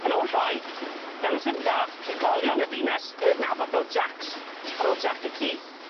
Yn ôl rhai, dyna sut dath trigolion y ddinas eu hadnabod fel Jacks, ar ôl Jack y ci.